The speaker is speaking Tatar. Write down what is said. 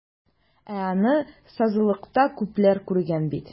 Ә аны сазлыкта күпләр күргән бит.